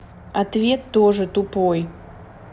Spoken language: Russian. ответ тоже тупой